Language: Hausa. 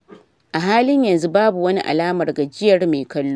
A halin yanzu, babu wani alamar gajiyar mai kallo.